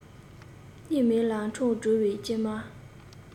སྙིང མེད ལ འཕྲང སྒྲོལ བའི སྐྱེལ མ